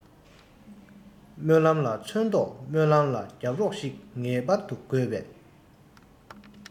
རྨི ལམ ལ ཚོན མདོག རྨི ལམ ལ རྒྱབ རོགས ཤིག ངེས པར དུ དགོས པས